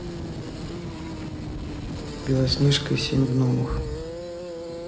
белоснежка и семь гномов